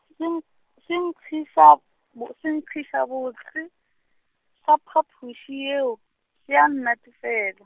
senk-, senkgišabo-, senkgišabose, sa phapoši yeo, se a nnatefela.